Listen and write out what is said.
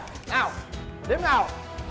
nào đếm nào